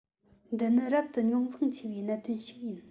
འདི ནི རབ ཏུ རྙོག འཛིང ཆེ བའི གནད དོན ཞིག ཡིན